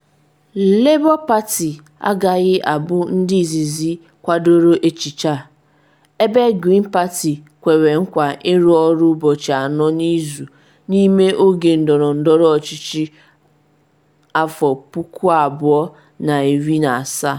Labour Party agaghị abụ ndị izizi kwadoro echiche a, ebe Green Party kwere nkwa ịrụ ọrụ ụbọchị anọ n’izu n’ime oge ndọrọndọrọ ọchịchị 2017.